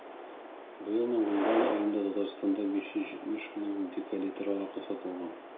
Быелның гыйнвар аенда Татарстанда 570 мең декалитр аракы сатылган.